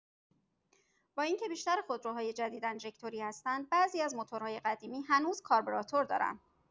با اینکه بیشتر خودروهای جدید انژکتوری هستن، بعضی از موتورهای قدیمی هنوز کاربراتور دارن.